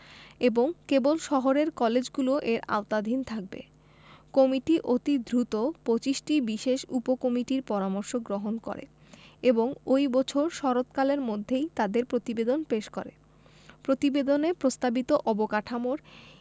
এবং কেবল শহরের কলেজগুলি এর আওতাধীন থাকবে কমিটি অতি দ্রুত ২৫টি বিশেষ উপকমিটির পরামর্শ গ্রহণ করে এবং ওই বছর শরৎকালের মধ্যেই তাদের প্রতিবেদন পেশ করে প্রতিবেদনে প্রস্তাবিত অবকাঠামোর